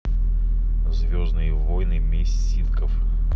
звездные войны месть ситхов